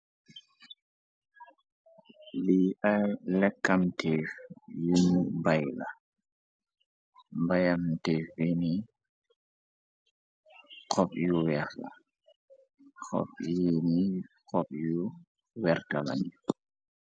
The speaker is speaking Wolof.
Li ay lekkamtéef yumu bayla bayamtéef yini xop. Yu weex xop yini xop yu wertalan.